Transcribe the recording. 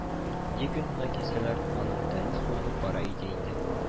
– дип янына килсәләр, аның тәне суынып бара иде инде